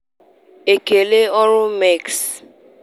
Ekele ọrụ MEX!